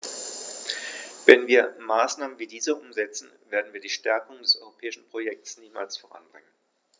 Wenn wir Maßnahmen wie diese umsetzen, werden wir die Stärkung des europäischen Projekts niemals voranbringen.